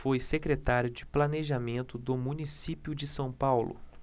foi secretário de planejamento do município de são paulo